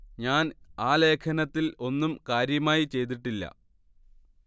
ഞാൻ ആ ലേഖനത്തിൽ ഒന്നും കാര്യമായി ചെയ്തിട്ടില്ല